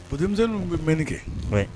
Ba denmisɛnninmisɛn bɛ bɛnni kɛ ayi ɲi